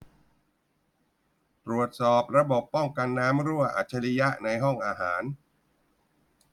ตรวจสอบระบบป้องกันน้ำรั่วอัจฉริยะในห้องอาหาร